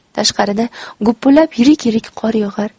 tashqarida gupillab yirik yirik qor yog'ar